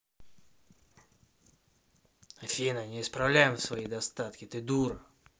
афина не исправляй свои достатки ты дура